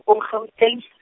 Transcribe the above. ko Gauteng.